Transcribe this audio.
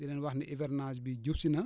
di leen wax ne hivernage bi jub si na